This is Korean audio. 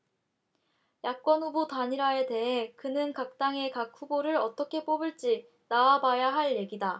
야권후보 단일화에 대해 그는 각당의 각 후보를 어떻게 뽑을지 나와봐야 할 얘기다